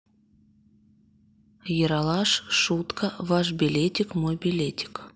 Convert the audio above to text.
ералаш шутка ваш билетик мой билетик